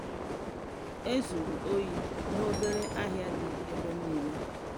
Ezuru oyi n’obere ahịa dị ebe niile.”